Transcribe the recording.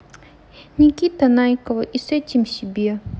никита найкова и с этим себе